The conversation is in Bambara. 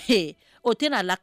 O tɛ